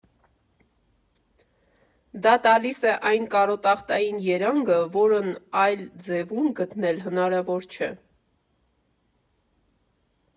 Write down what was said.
Դա տալիս է այն կարոտախտային երանգը, որն այլ ձևում գտնել հնարավոր չէ։